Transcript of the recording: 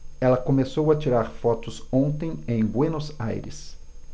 ela começou a tirar fotos ontem em buenos aires